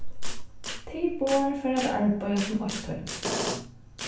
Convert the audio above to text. tit báðar fara at arbeiða sum eitt toymi